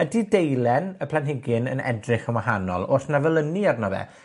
Ydi deilen y planhigyn yn edrych yn wahanol? O's 'na felynu arno fe?